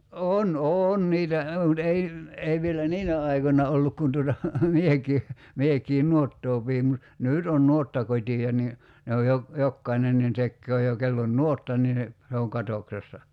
on - on niitä mutta ei ei vielä niinä aikoina ollut kun tuota minäkin minäkin nuottaa pidin mutta nyt on nuottakotia niin ne on jo jokainen niin tekee jo kenellä on nuotta niin se on katoksessa